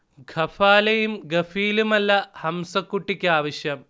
ഖഫാലയും ഖഫീലുമല്ല ഹംസകുട്ടിക്കാവശ്യം